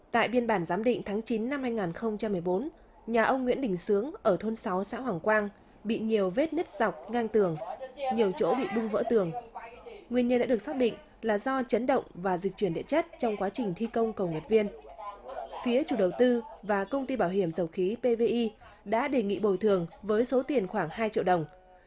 tại biên bản giám định tháng chín năm hai ngàn không trăm mười bốn nhà ông nguyễn đình xướng ở thôn sáu xã hoằng quang bị nhiều vết nứt dọc ngang tường nhiều chỗ bị bung vỡ tường nguyên nhân đã được xác định là do chấn động và dịch chuyển địa chất trong quá trình thi công cầu nguyệt viên phía chủ đầu tư và công ty bảo hiểm dầu khí pê vê i đã đề nghị bồi thường với số tiền khoảng hai triệu đồng